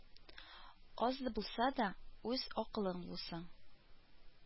Аз булса да, үз акылың булсын